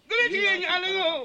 Teritigi ala